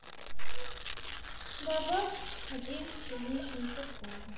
добавь один черничный попкорн